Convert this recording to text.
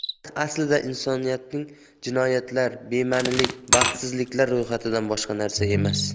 tarix aslida insoniyatning jinoyatlar bema'nilik va baxtsizliklar ro'yxatidan boshqa narsa emas